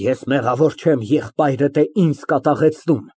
Ես մեղավոր չեմ, եղբայրդ է ինձ կատաղեցնում։